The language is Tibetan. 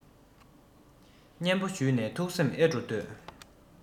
སྙན པོ ཞུས ནས ཐུགས སེམས ཨེ སྤྲོ ལྟོས